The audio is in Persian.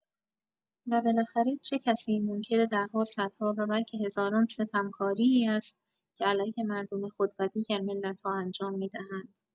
و بالاخره چه کسی منکر ده‌ها، صدها و بلکه هزاران ستمکاری است که علیه مردم خود و دیگر ملت‌ها انجام می‌دهند؟